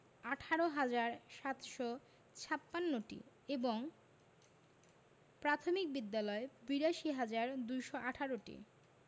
১৮হাজার ৭৫৬টি এবং প্রাথমিক বিদ্যালয় ৮২হাজার ২১৮টি